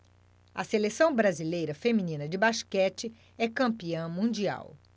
a seleção brasileira feminina de basquete é campeã mundial